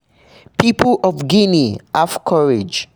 People of Guinea, have courage!